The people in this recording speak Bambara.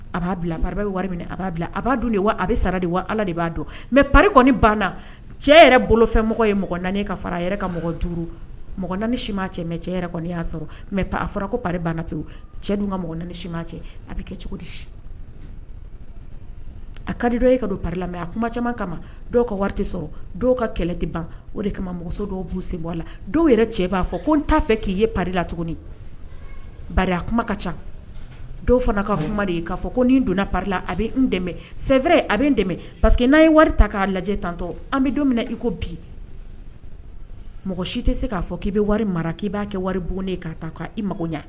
A b'a bila bɛ wari min a b'a bila a b'a dun de wa a bɛ sara de wa ala de b'a dɔn mɛ banna cɛ yɛrɛ bolofɛn mɔgɔ ye mɔgɔ ka fara a yɛrɛ ka mɔgɔ juru mɔgɔani sima cɛ mɛ cɛ yɛrɛ y'a sɔrɔ mɛ a fɔra ko pa banna tɛ cɛ dun ka mɔgɔani sima cɛ a bɛ kɛ cogo di a kadi dɔn e ka don pa la mɛ a kuma caman kama dɔw ka wari tɛ sɔrɔ dɔw ka kɛlɛ tɛ ban o de kama mɔgɔ dɔw b'u sen bɔ la dɔw yɛrɛ cɛ b'a fɔ ko n taa fɛ k'i ye pa la tuguni ba kuma ka ca dɔw fana ka kuma de ye'a fɔ ko nin donna pala a bɛ n dɛmɛ sɛɛrɛ a bɛ n dɛmɛ pa que n'a ye wari ta k'a lajɛ tantɔ an bɛ don min i ko bi mɔgɔ si tɛ se k'a k'i bɛ wari mara k'i b'a kɛ wari bonnen ye k ka taa k' mako ɲɛ